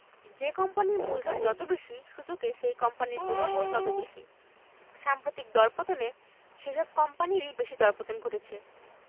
যে কোম্পানির মূলধন যত বেশি সূচকে সেই কোম্পানির প্রভাবও তত বেশি সাম্প্রতিক দরপতনে সেসব কোম্পানিরই বেশি দরপতন ঘটেছে